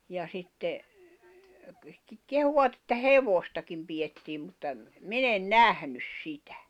ja sitten kehuivat että hevostakin pidettiin mutta - minä en nähnyt sitä